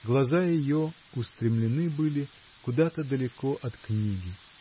Глаза ее устремлены были куда-то далеко от книги.